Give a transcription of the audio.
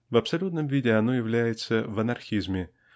В абсолютном виде оно является в анархизме